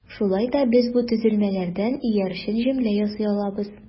Шулай да без бу төзелмәләрдән иярчен җөмлә ясый алабыз.